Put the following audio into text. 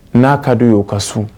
N'a ka don y'o ka sun